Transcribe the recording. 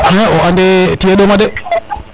a o ande tige ɗoma det